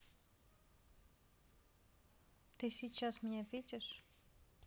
ты сейчас меня видишь